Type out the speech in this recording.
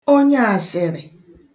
onyeàshị̀rị̀